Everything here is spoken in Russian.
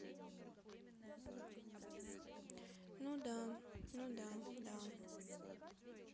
ну да ну да да